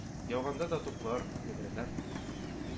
Яуганда да туплар, ядрәләр,